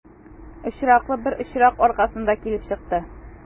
Очраклы бер очрак аркасында килеп чыкты.